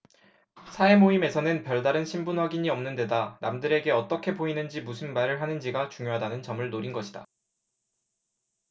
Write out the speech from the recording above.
사회모임에서는 별다른 신분 확인이 없는 데다 남들에게 어떻게 보이는지 무슨 말을 하는지가 중요하다는 점을 노린 것이다